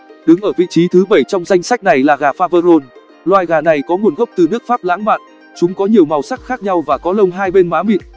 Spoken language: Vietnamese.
đứng ở vị trí thứ trong danh sách này là gà faverolle loài gà này có nguồn gốc từ nước pháp lãng mạn chúng có nhiều màu sắc khác nhau và có lông bên má mịn